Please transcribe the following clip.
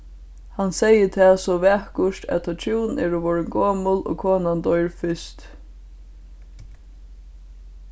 hann segði tað so vakurt at tá hjún eru vorðin gomul og konan doyr fyrst